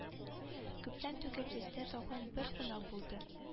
Күптән түгел бездә тагын бер кунак булды